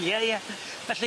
Ie ie felly